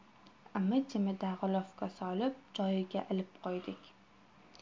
imi jimida g'ilofga solib joyiga ilib qo'ydik